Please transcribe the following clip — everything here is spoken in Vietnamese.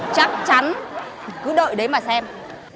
chắc chắn cứ đợi đấy mà xem